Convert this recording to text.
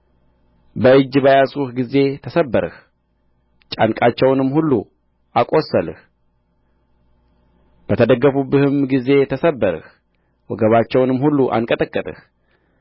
በእጅ በያዙህ ጊዜ ተሰበርህ ጫንቃቸውንም ሁሉ አቈሰልህ በተደገፉብህም ጊዜ ተሰበርህ ወገባቸውንም ሁሉ አንቀጠቀጥህ